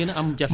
ganaar